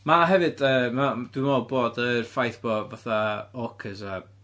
Mae hefyd 'de... ma'... dwi'n meddwl bod yr ffaith bod fatha orcas a...